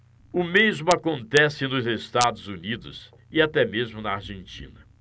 o mesmo acontece nos estados unidos e até mesmo na argentina